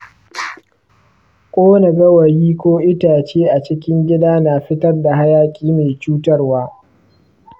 kona gawayi ko itace a cikin gida na fitar da hayaki mai cutarwa.